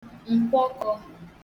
ǹkwọkọ̄